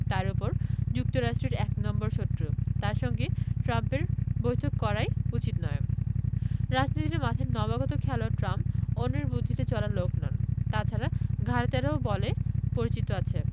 তার ওপর যুক্তরাষ্ট্রের এক নম্বর শত্রু তাঁর সঙ্গে ট্রাম্পের বৈঠকই করা উচিত নয় রাজনীতির মাঠের নবাগত খেলোয়াড় ট্রাম্প অন্যের বুদ্ধিতে চলার লোক নন তা ছাড়া ঘাড় ত্যাড়া বলেও তাঁর পরিচিতি আছে